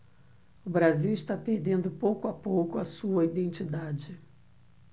o brasil está perdendo pouco a pouco a sua identidade